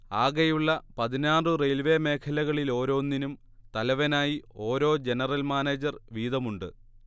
ആകെയുള്ള പതിനാറു റെയിൽവേ മേഖലകളിലോരോന്നിനും തലവനായി ഓരോ ജനറൽ മാനേജർ വീതമുണ്ട്